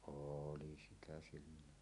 oli sitä silloin